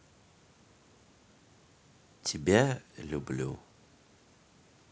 тебя люблю